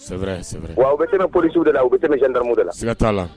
Aw bɛ tɛmɛ poliju de la u bɛ tɛmɛdamu de la